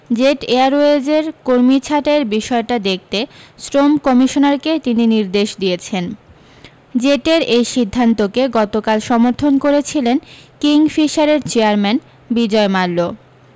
jet এয়ারওয়েজের কর্মী ছাঁটাইয়ের বিষয়টা দেখতে শ্রম কমিশনারকে তিনি নির্দেশ দিয়েছেন জেটের এই সিদ্ধান্তকে গতকাল সমর্থন করেছিলেন কিং ফিশারের চেয়ারম্যান বিজয় মাল্য